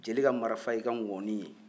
jeli ka marifa y'i ka nkɔni ye